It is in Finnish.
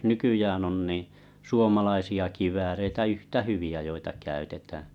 nykyään on niin suomalaisia kivääreitä yhtä hyviä joita käytetään